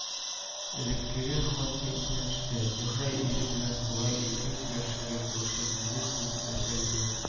Элеккеге хатыны исенә төште. Зөһрә ире белән болай иркен сөйләшергә, күрешеп, милиция начальнигын